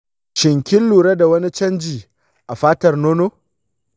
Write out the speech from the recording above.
shin kun lura da wani canji a fatar nono?